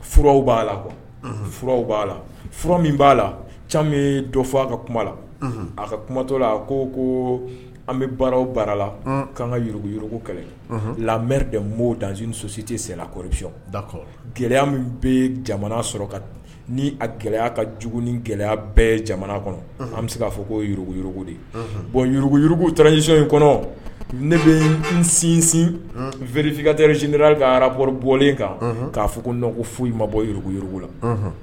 B'a la furaw b'a la fura min b'a la ca dɔ fɔ a ka kuma la a ka kumatɔ la ko ko an bɛ baaraw la k'an kauruguyugu kɛlɛ lamɛnri de'o dan sososi tɛ senɔri gɛlɛya min bɛ jamana sɔrɔ ka ni a gɛlɛya ka jugu ni gɛlɛya bɛɛ jamana kɔnɔ an bɛ se k'a fɔ kouguyugu de bɔnuguyugu taarasɔn in kɔnɔ ne bɛ sinsin vfinkatere sind kara bɔ bɔlen kan k'a fɔ ko ko foyi ma bɔuruguyurugula